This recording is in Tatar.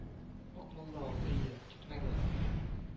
Акмулла ул, әйе, тикмәгә